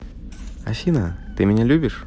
афина ты меня любишь